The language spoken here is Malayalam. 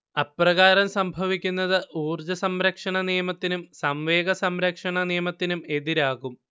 അപ്രകാരം സംഭവിക്കുന്നത് ഊർജ്ജസംരക്ഷണനിയമത്തിനും സംവേഗസംരക്ഷണനിയമത്തിനും എതിരാകും